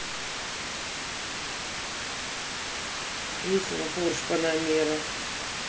песня порш панамера